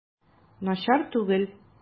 Начар түгел.